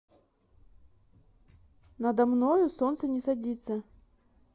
надо мною солнце не садится